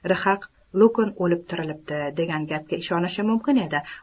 rhaq lukn o'libtirilibdi degan gapga ishonishi mumkin edi